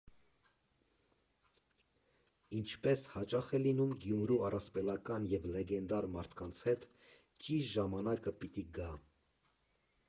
Ինչպես հաճախ է լինում Գյումրու առասպելական և լեգենդար մարդկանց հետ, ճիշտ ժամանակը պիտի գա։